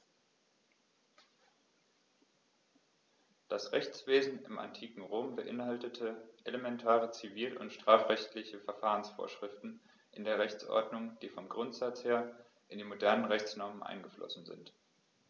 Das Rechtswesen im antiken Rom beinhaltete elementare zivil- und strafrechtliche Verfahrensvorschriften in der Rechtsordnung, die vom Grundsatz her in die modernen Rechtsnormen eingeflossen sind.